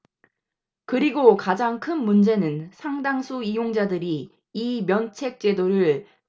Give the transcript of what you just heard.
그리고 가장 큰 문제는 상당수 이용자들이 이 면책제도를 자차보험으로 혼동하고 있다는 점입니다